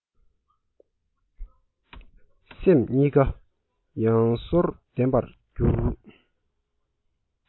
སེམས གཉིས ཀ ཡང ཟོར ལྡན པར གྱུར